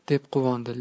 deb quvondi